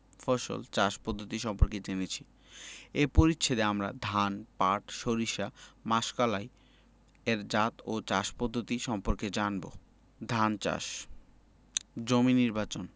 ফসল চাষ পদ্ধতি সম্পর্কে জেনেছি এ পরিচ্ছেদে আমরা ধান পাট সরিষা ও মাসকলাই এর জাত ও চাষ পদ্ধতি সম্পর্কে জানব ধান চাষ জমি নির্বাচন